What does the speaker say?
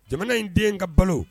Jamana in den ka balo